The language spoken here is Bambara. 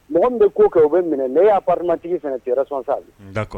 Mɔgɔ min bɛ' kɛ o bɛ minɛ ne y'a hauna tigi cɛsɔ sa